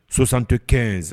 Sosan tɛ kɛ